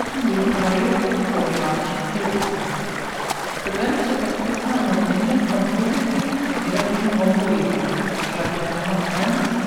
liegen parallel zur kristallographischen c-Achse. Begrenzt wird das Prisma an den Enden vom positiven und negativen Rhomboeder ({10 1 ¯ 1 {\ displaystyle 10 {\ bar {1}} 1}}